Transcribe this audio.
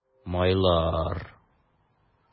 Майлар